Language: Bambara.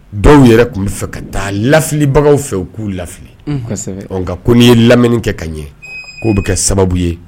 Dɔw yɛrɛ tun bɛ fɛ ka taa lalibagaw fɛ u k'u lafili nka ko n'i ye laminini kɛ ka ɲɛ k'o bɛ kɛ sababu ye